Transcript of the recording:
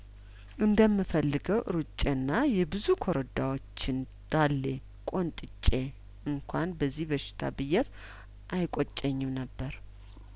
እንደምፈልገው ሩጬና የብዙ ኮረዳዎችን ዳሌ ቆንጥጬ እንኳን በዚህ በሽታ ብያዝ አይቆጨኝም ነበር